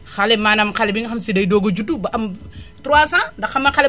xalee maanaam xale bi nga xamante ne dafay soog a juddu ba am 3 ans ndax xam nga xale boobu xamul dara